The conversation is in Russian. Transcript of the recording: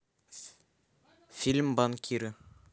фильм банкиры